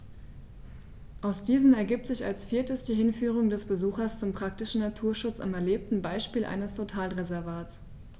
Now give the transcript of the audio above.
Aus diesen ergibt sich als viertes die Hinführung des Besuchers zum praktischen Naturschutz am erlebten Beispiel eines Totalreservats.